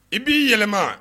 I b'i yɛlɛma